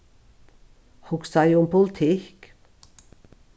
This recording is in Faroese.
hugsaði um politikk